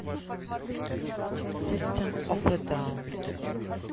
system of a down